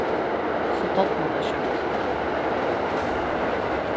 so tornar tað skjótt